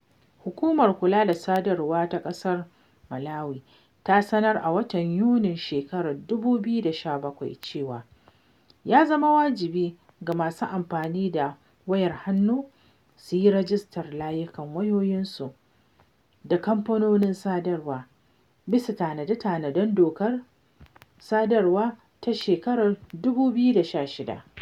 Hukumar Kula da Sadarwa ta ƙasar Malawi ta sanar a watan Yunin shekarar 2017 cewa ya zama wajibi ga masu amfani da wayar hannu su yi rajistar layukan wayoyinsu da kamfanonin sadarwa, bisa tanade-tanaden dokar sadarwa ta shekarar 2016.